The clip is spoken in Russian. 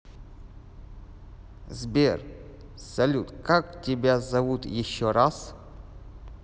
сбер салют как тебя зовут еще раз